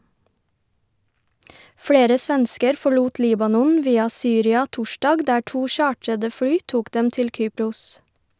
Flere svensker forlot Libanon via Syria torsdag, der to chartrede fly tok dem til Kypros.